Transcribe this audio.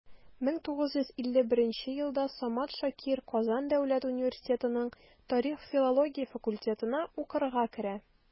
1951 елда самат шакир казан дәүләт университетының тарих-филология факультетына укырга керә.